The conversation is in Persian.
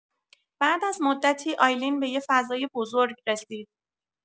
بعد از مدتی، آیلین به یه فضای بزرگ رسید.